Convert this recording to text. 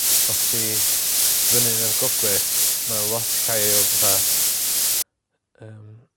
Os ti fynny yn yr gogledd mae o lot llai o batha yym